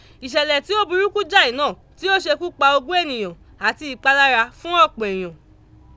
Ìṣẹ̀lẹ̀ tí ó burúkú jáì náà tí ó ṣekú pa ogún ènìyàn àti ìpalára fún ọ̀pọ̀ èèyàn.